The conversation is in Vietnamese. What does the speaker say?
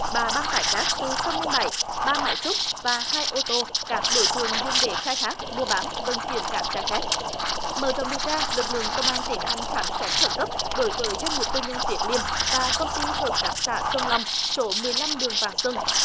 ba băng tải cát từ sông lên bãi ba máy xúc và hai ô tô các đối tượng dùng để khai thác mua bán vận chuyển cát trái phép mở rộng điều tra lực lượng công an tiến hành khám xét khẩn cấp đối với doanh nghiệp tư nhân tuyết liêm và công ty hợp tác xã xuân long số mười lăm đường vạn xuân